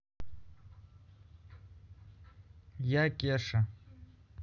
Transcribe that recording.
я кеша